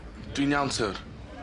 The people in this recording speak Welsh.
Dwi'n iawn syr.